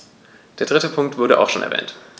Der dritte Punkt wurde auch schon erwähnt.